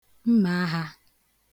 mmàaghā